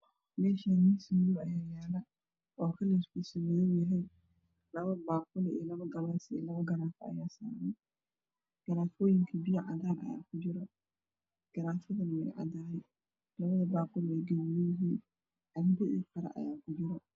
Meshan waxaa yalo mis kalar kisi waa madow waxaa saran labo baquli iyo labo garafo iyo labo galaas garafad waxaa kujiro biyo kalar kedo waa cadan baquliga waxaa kujiro qarey iyo cambo